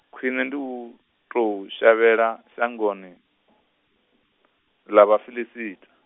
khwine ndi u, tou shavheḽa shangoni, ḽa Vhafiḽisita.